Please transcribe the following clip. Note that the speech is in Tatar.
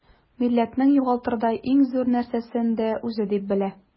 Милләтнең югалтырдай иң зур нәрсәсен дә үзе дип белә.